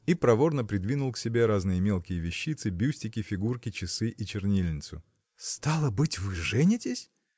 и проворно придвинул к себе разные мелкие вещицы бюстики фигурки часы и чернильницу. – Стало быть, вы женитесь?